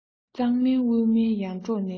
གཙང མིན དབུས མིན ཡར འབྲོག ནས